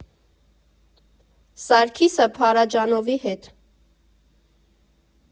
Սարգիսը Փարաջանովի հետ։